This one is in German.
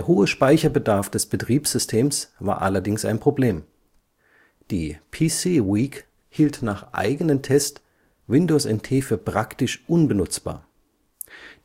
hohe Speicherbedarf des Betriebssystems war allerdings ein Problem; die PC Week hielt nach einem eigenen Test Windows NT für praktisch unbenutzbar.